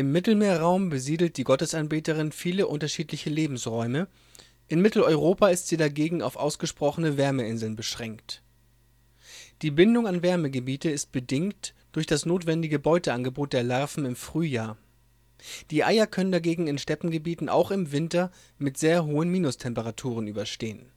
Mittelmeerraum besiedelt die Gottesanbeterin viele unterschiedliche Lebensräume, in Mitteleuropa ist sie dagegen auf ausgesprochene Wärmeinseln beschränkt. Die Bindung an Wärmegebiete ist bedingt durch das notwendige Beuteangebot der Larven im Frühjahr, die Eier können dagegen in Steppengebieten auch Winter mit sehr hohen Minustemperaturen überstehen